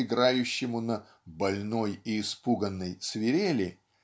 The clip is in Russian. играющему на "больной и испуганной" свирели